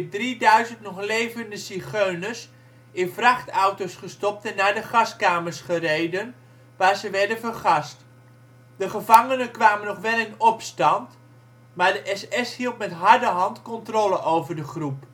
drieduizend nog levende zigeuners in vrachtauto 's gestopt en naar de gaskamers gereden, waar ze werden vergast. De gevangenen kwamen nog wel in opstand, maar de SS hield met harde hand controle over de groep